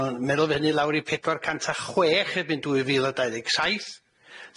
nw'n meddwl fy' ynny lawr i pedwar cant a chwech erbyn dwy fil a dau ddeg saith,